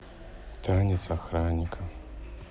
танец охранника